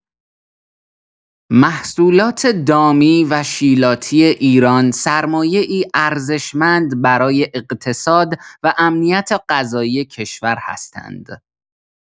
محصولات دامی و شیلاتی ایران سرمایه‌ای ارزشمند برای اقتصاد و امنیت غذایی کشور هستند.